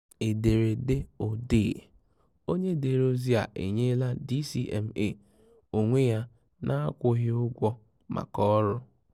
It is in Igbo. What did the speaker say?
Ederede odee: Onye dere ozi a enyeela DCMA onwe ya na akwụghị ụgwọ maka ọrụ.